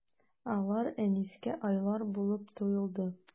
Алар Әнискә айлар булып тоелды.